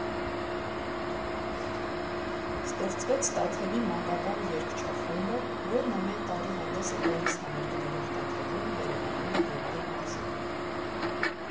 Ստեղծվեց Տաթևի մանկական երգչախումբը, որն ամեն տարի հանդես է գալիս համերգներով Տաթևում, Երևանում և այլ մարզերում։